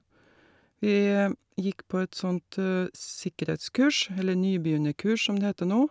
Vi gikk på et sånt sikkerhetskurs, eller nybegynnerkurs som det heter nå.